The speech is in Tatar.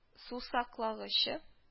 Сусаклагычы